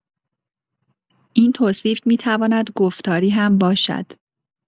این توصیف می‌تواند گفتاری هم باشد.